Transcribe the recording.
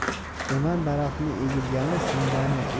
eman daraxtining egilgani singani